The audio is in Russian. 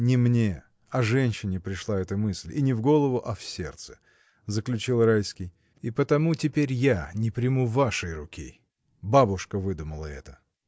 — Не мне, а женщине пришла эта мысль, и не в голову, а в сердце, — заключил Райский, — и потому теперь я не приму вашей руки. Бабушка выдумала это.